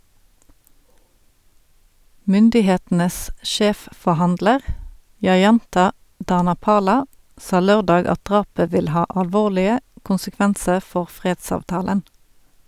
Myndighetenes sjefforhandler , Jayantha Dhanapala, sa lørdag at drapet vil ha alvorlige konsekvenser for fredsavtalen.